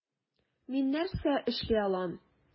Мин нәрсә эшли алам?